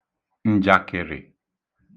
ǹjàkị̀rị̀